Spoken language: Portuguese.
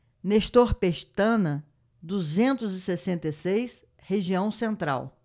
nestor pestana duzentos e sessenta e seis região central